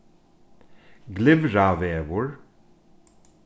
glyvravegur